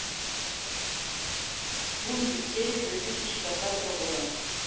лунтик серии две тысячи двадцатого года